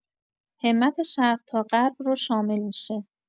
همت شرق تا غرب رو شامل می‌شه.